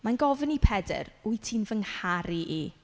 Mae'n gofyn i Pedr "wyt ti'n fy ngharu i?".